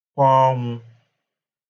kwa ọnwụ̄